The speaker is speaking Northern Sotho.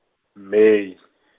May .